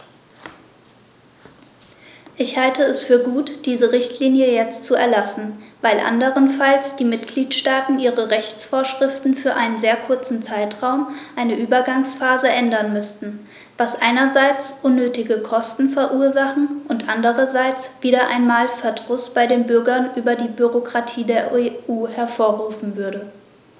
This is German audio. Ich halte es für gut, diese Richtlinie jetzt zu erlassen, weil anderenfalls die Mitgliedstaaten ihre Rechtsvorschriften für einen sehr kurzen Zeitraum, eine Übergangsphase, ändern müssten, was einerseits unnötige Kosten verursachen und andererseits wieder einmal Verdruss bei den Bürgern über die Bürokratie der EU hervorrufen würde.